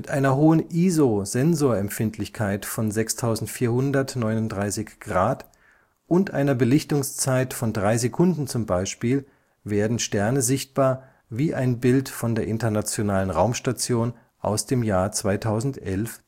einer hohen ISO-Sensorempfindlichkeit von 6400/39° und einer Belichtungszeit von 3 s zum Beispiel werden Sterne sichtbar, wie das Bild ganz rechts von der Internationalen Raumstation aus dem Jahr 2011